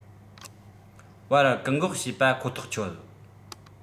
བར བཀག འགོག བྱས པ ཁོ ཐག ཆོད